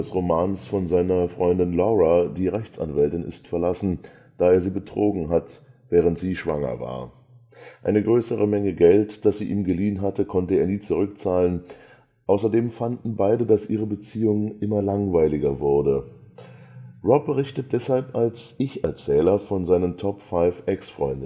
Romans von seiner Freundin Laura, die Rechtsanwältin ist, verlassen, da er sie betrogen hat, während sie schwanger war. Eine größere Menge Geld, das sie ihm geliehen hatte, konnte er ihr nie zurückzahlen; außerdem fanden beide, dass ihre Beziehung immer langweiliger wurde. Rob berichtet deshalb als Ich-Erzähler von seinen Top-Five Exfreundinnen: Alison